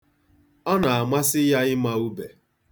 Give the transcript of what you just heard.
Ọ na-amasị ya ịma ube.